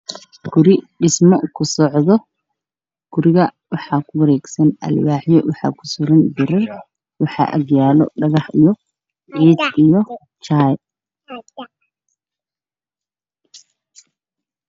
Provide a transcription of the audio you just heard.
Guri dhismo ka socda guriga waxa ku waregsan alwaxyo guriga waxa ag yaalo dhagax ciid iyo jaay